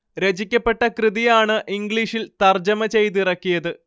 രചിക്കപ്പെട്ട കൃതി ആണ് ഇംഗ്ലീഷിൽ തർജ്ജമ ചെയ്തിറക്കിയത്